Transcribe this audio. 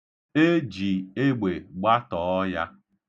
E ji egbe gbatọọ ya.